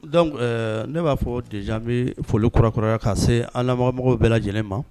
Donc ne b'a fɔ déjà n bɛ foli kurakuraya ka se an lamɛnbaga mɔgɔw bɛɛ lajɛlen ma